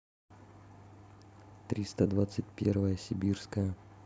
триста двадцать первая сибирская